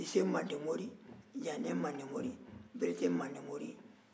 sise mandenmori janɛ mandenmori berete mandenmori